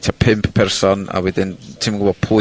tua pum person a wedyn ti'm yn gwbo pwy...